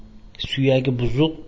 suyagi buzuq